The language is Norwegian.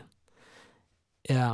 Ja.